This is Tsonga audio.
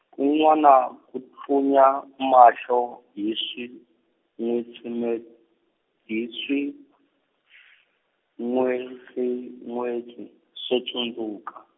kun'wana ku tlunya mahlo hi swin'wetsime-, hi swin'wetsin'wetsi, swo tsundzuka.